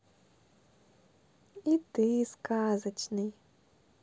и ты сказочный